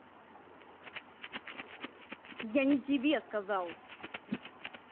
я не тебе сказал